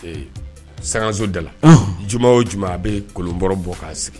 Sangaso da la, nhɔn, juma o juma a bɛ kolon bɔrɔ bɔ k'a sigi